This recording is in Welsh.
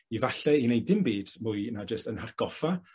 efalle i wneud dim byd mwy na jyst 'yn hatgoffa